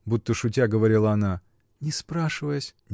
— будто шутя говорила она, — не спрашиваясь.